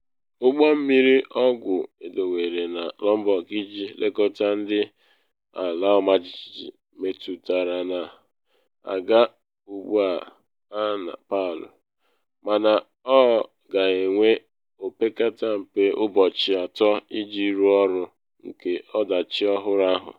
Ụgbọ mmiri ụlọ ọgwụ edowere na Lombok iji lekọta ndị ala ọmajijiji metụtara na aga ugbu a na Palu, mana ọ ga-ewe opekata mpe ụbọchị atọ iji ruo ọnọdụ nke ọdachi ọhụrụ ahụ.